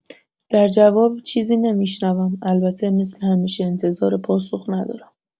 در جواب چیزی نمی‌شنوم؛ البته مثل همیشه انتظار پاسخ ندارم.